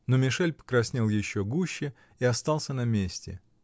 Но Мишель покраснел еще гуще и остался на месте.